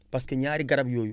parce que ñaari garab yooyu